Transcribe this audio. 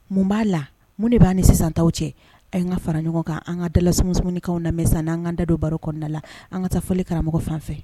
Mun b'a la mun de b'a ni sisanta cɛ a' ka fara ɲɔgɔn kan an ka dalala sumunikaw na mɛn san an ka da don baro kɔnɔnada la an ka taa fɔli karamɔgɔ fan fɛ